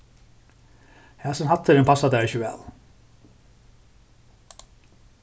hasin hatturin passar tær ikki væl